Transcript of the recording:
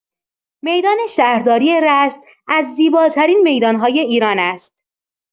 میدان شهرداری رشت از زیباترین میدان‌های ایران است.